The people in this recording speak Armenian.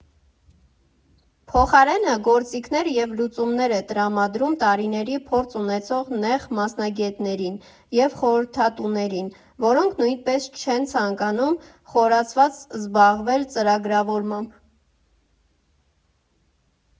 Փոխարենը գործիքներ և լուծումներ է տրամադրում տարիների փորձ ունեցող նեղ մասնագետներին և խորհրդատուներին, որոնք նույնպես չեն ցանկանում խորացված զբաղվել ծրագրավորմամբ։